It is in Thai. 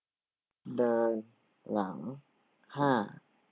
เดินหลังห้า